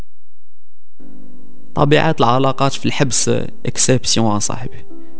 طبيعه العلاقات في الحبس اكسسوار صاحبها